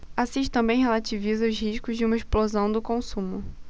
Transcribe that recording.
assis também relativiza os riscos de uma explosão do consumo